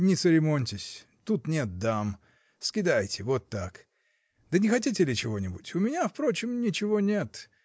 Не церемоньтесь, тут нет дам: скидайте, вот так. Да не хотите ли чего-нибудь? У меня, впрочем, ничего нет.